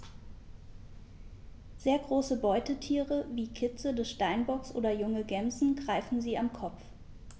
Sehr große Beutetiere wie Kitze des Steinbocks oder junge Gämsen greifen sie am Kopf.